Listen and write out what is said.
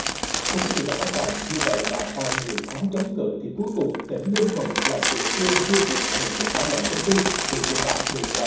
thưa quý vị và các bạn như vậy là sau nhiều tháng chống cự thì cuối cùng tỉnh ninh thuận là địa phương chưa xuất hiện dịch tả lợn châu phi thì cũng đã bị